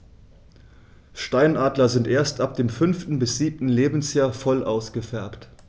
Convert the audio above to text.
Steinadler sind erst ab dem 5. bis 7. Lebensjahr voll ausgefärbt.